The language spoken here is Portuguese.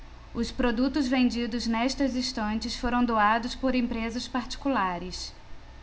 os produtos vendidos nestas estantes foram doados por empresas particulares